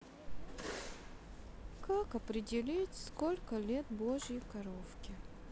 как определить сколько лет божьей коровке